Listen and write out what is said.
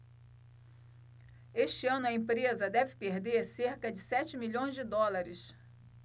este ano a empresa deve perder cerca de sete milhões de dólares